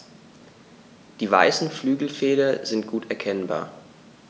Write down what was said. Die weißen Flügelfelder sind gut erkennbar.